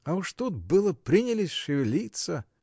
А уж тут было принялись шевелиться.